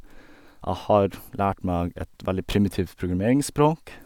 Jeg har lært meg et veldig primitivt programmeringsspråk.